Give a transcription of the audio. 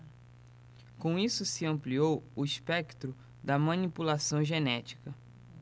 com isso se ampliou o espectro da manipulação genética